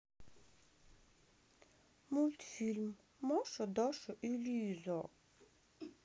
мультфильм маша даша и лиза